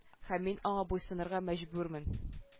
Һәм мин аңа буйсынырга мәҗбүрмен